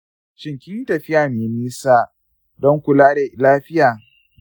shin kinyi tafiya mai nisa don kula da lafiya?